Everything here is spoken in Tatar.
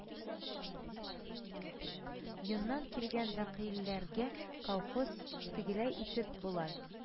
Йоннан килгән вәкилләргә колхоз, тегеләй итеп, болай